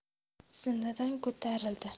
zinadan ko'tarildi